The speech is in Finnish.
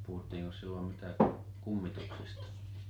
puhuttiinkos silloin mitään kummituksista